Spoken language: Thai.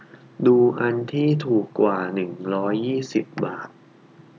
ดูอันที่ถูกกว่าร้อยยี่สิบบาท